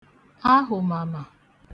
ahụ̀màmà